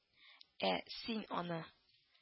— ә син аны